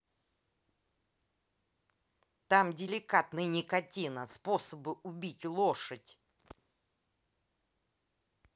там деликатный никотина способны убить лошадь